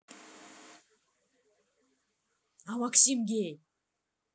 а максим гей